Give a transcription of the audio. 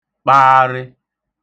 kpaarị